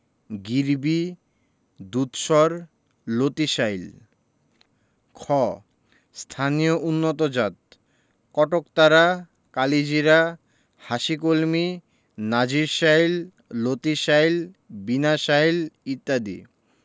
গিরবি দুধসর লতিশাইল খ স্থানীয় উন্নতজাতঃ কটকতারা কালিজিরা হাসিকলমি নাজির শাইল লতিশাইল বিনাশাইল ইত্যাদি